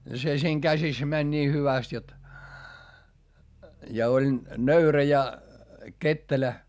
se siinä käsissä meni niin hyvästi jotta ja oli nöyrä ja ketterä